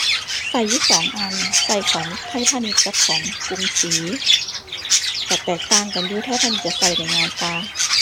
ใช้อยู่สองอัน ใช้ของไทยพาณิชย์กับของกรุงศรี ใช้แตกต่างกันอยู่ ไทยพาณิชย์จะใช้ได้ง่ายกว่า